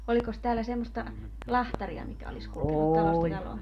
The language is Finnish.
olikos täällä semmoista lahtaria mikä olisi kulkenut talosta taloon